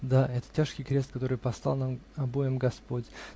Да, это тяжкий крест, который послал нам обоим господь!